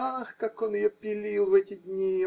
Ах, как он ее пилил в эти дни!